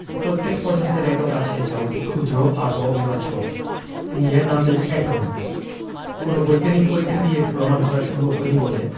প্রত্যেক পদার্থের একক আছে যা অতি ক্ষুদ্র আর অবিভাজ্য তিনি এর নাম দেন এটম কোনো বৈজ্ঞানিক পরীক্ষা দিয়ে এটি প্রমাণ করা সম্ভব হয়নি বলে প্রত্যেক পদার্থের একক আছে যা অতি ক্ষুদ্র আর অবিভাজ্য তিনি এর নাম দেন এটম কোনো বৈজ্ঞানিক পরীক্ষা দিয়ে এটি প্রমাণ করা সম্ভব হয়নি বলে